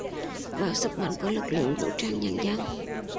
vào sức mạnh của lực lượng vũ trang nhân dân